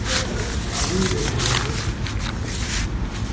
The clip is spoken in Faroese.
mýrivegur